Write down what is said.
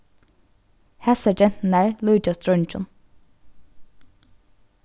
hasar genturnar líkjast dreingjum